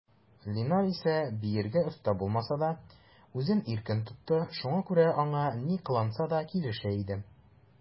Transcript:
Линар исә, биергә оста булмаса да, үзен иркен тотты, шуңа күрә аңа ни кыланса да килешә иде.